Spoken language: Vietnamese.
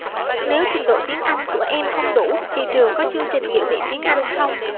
nếu trình độ tiếng anh của em không đủ thì trường có chương trình dự bị tiếng anh không